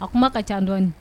A kuma ka ca dɔɔnin